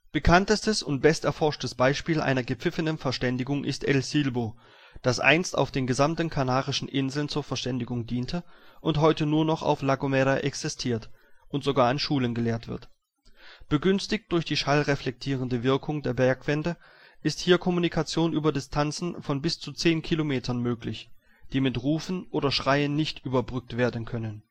Bekanntestes und besterforschtes Beispiel einer gepfiffenen Verständigung ist El Silbo, das einst auf den gesamten Kanarischen Inseln den Guanchen zur Verständigung diente und heute nur noch auf La Gomera existiert und sogar an Schulen gelehrt wird. Begünstigt durch die schallreflektierende Wirkung der Bergwände ist hier Kommunikation über Distanzen von bis zu zehn Kilometern möglich, die mit Rufen oder Schreien nicht überbrückt werden können